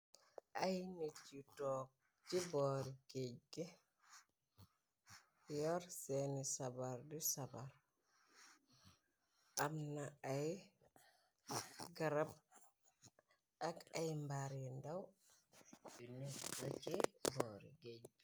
Ay nit yu toog ci boori géejg, yoor seeni sabar du sabar. Am na ay garab ak ay mbar yi ndaw bini k ci boori géej.